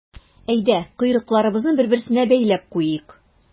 Әйдә, койрыкларыбызны бер-берсенә бәйләп куйыйк.